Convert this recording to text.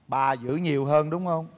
bà giữ nhiều hơn đúng không